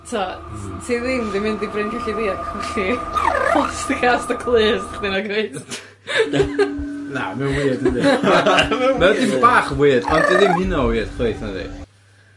t'o'... Hmm. ...ti ddim 'di mynd i Bryn Celli Ddu a colli plaster cast o clust chdi nag wyt? Na mae o'n wierd yndi? Mae o'n wierd dydi? Mae o'n dipyn bach yn wierd ond dyw ddim hynna o wierd chwaith, nadi?